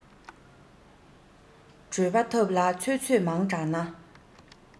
གྲོད པ ཐབ ལ ཚོད ཚོད མང དྲགས ན